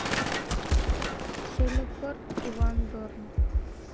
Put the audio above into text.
телепорт иван дорн